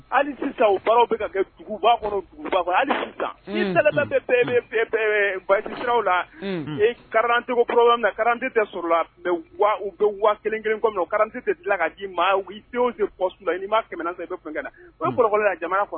Ali sisan dugu la e ka cogoti tɛ mɛ wa u bɛ wa kelen kelen kɔ o garanti tɛ dilan ka di maa denw de i maa i bɛ fɛn kɔnɔ